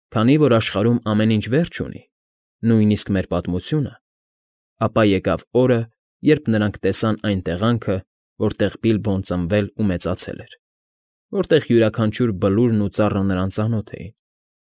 Քանի որ աշխարհում ամեն ինչ վերջ ունի, նույնիսկ մեր պատմությունը, ապա եկավ օրը, երբ նրանք տեսան այն տեղանքը, որտեղ Բիլբոն ծնվել ու մեծացել էր, որտեղ յուրաքանչյուր բլուրն ու ծառը նրան ծանոթ էին,